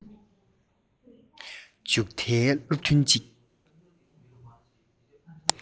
མཇུག མཐའི སློབ ཐུན གཅིག